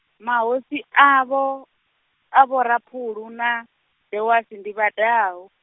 mahosi avho, avho Raphulu na, Dewasi ndi Vhadau.